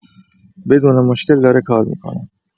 بدون مشکل داره کار می‌کنه